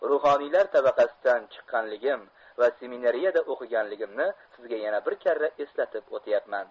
ruhoniylar tabaqasidan chiqqanligim va seminariyada o'qiganligimni sizga yana bir karra eslatib o'tyapman